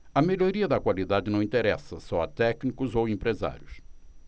a melhoria da qualidade não interessa só a técnicos ou empresários